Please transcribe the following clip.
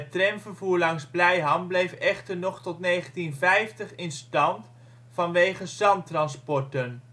tramvervoer langs Blijham bleef echter nog tot 1950 in stand vanwege zandtransporten